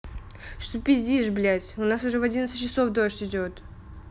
что пиздишь блядь у нас уже в одиннадцать часов дождь идет